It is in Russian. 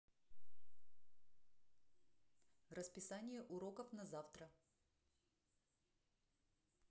расписание уроков на завтра